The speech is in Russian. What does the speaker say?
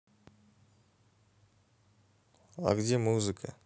а где музыка